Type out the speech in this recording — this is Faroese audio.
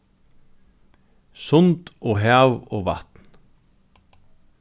sund og hav og vatn